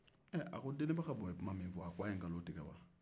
a ko denniba ka bɔ ye kuma min fɔ a ko a ye nkalo tigɛ wa